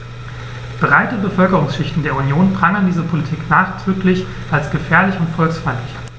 Breite Bevölkerungsschichten der Union prangern diese Politik nachdrücklich als gefährlich und volksfeindlich an.